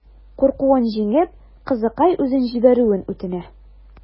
Куркуын җиңеп, кызыкай үзен җибәрүен үтенә.